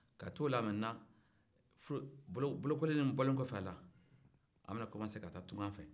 ka to la mɛntenan bolokoli bɔlen in bolen kɔf'a la an bɛna komanse ka taa tungafɛ